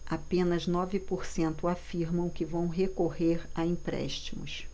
apenas nove por cento afirmam que vão recorrer a empréstimos